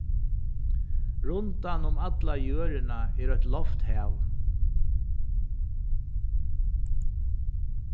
rundan um alla jørðina er eitt lofthav